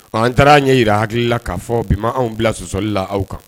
An taara ɲɛ jirara hakili la k'a fɔ bi man anw bila sɔsɔli la aw kan.